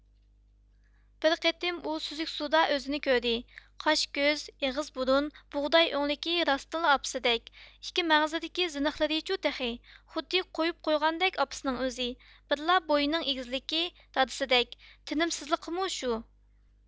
بىر قېتىم ئۇ سۈزۈك سۇدا ئۆزىنى كۆردى قاش كۆز ئېغىز بۇرۇن بۇغداي ئۆڭلۈكى راستتىنلا ئاپىسىدەك ئىككى مەڭزىدىكى زىنىخلىرىچۇ تېخى خۇددى قۇيۇپ قويغاندەك ئاپىسىنىڭ ئۆزى بىرلا بويىنىڭ ئېگىزلىكى دادىسىدەك تىنىمسىزلىقىمۇ شۇ